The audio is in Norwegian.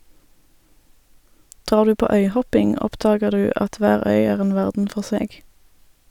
Drar du på øyhopping, oppdager du at hver øy er en verden for seg.